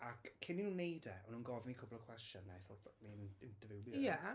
ac cyn i nhw wneud e, o'n nhw'n gofyn cwpl o gwestiynau ... Ie.